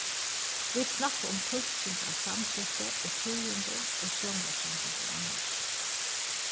vit snakka um tulking av samskifti og tíðindum og sjónvarpssendingum annars